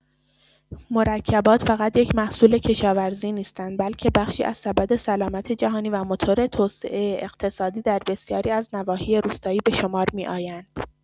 مرکبات فقط یک محصول کشاورزی نیستند، بلکه بخشی از سبد سلامت جهانی و موتور توسعه اقتصادی در بسیاری از نواحی روستایی به شمار می‌آیند.